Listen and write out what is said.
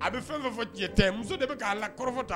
A bɛ fɛn o fɛnfɔ tiɲɛ tɛ muso de bɛ k'a lakɔrɔfɔ tan